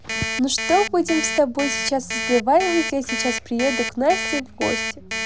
ну что будем с тобой сейчас разговаривать я сейчас приеду к насте в гости